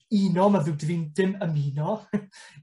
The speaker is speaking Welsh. uno ma' ddrwg 'da fi'n dim ymuno.